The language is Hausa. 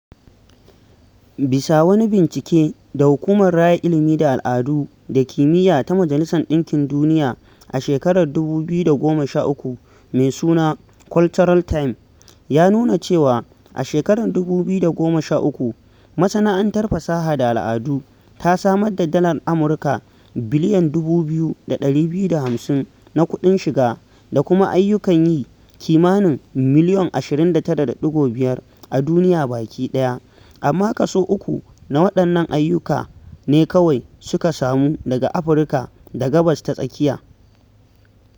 Bisa wani bincike da Hukumar Raya Ilimi da Al'adu da Kimiyya Ta Majalisar ɗinkin Duniya a shekar 2013 mai suna ''Cultural time'' ya nuna cewa, a shekarar 2013, masana'antar fasaha da al'adu ta samar da Dalar Amurka biliyon 2,250 na ƙuɗin shiga da kuma ayyukan yi kimanin miliyon 29.5 a duniya bakiɗaya, amma kaso 3 na waɗannan ayyuka ne kawai suka samu daga Afirka da Gabas Ta Tsakiya.